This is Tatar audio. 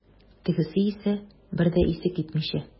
Тегесе исә, бер дә исе китмичә.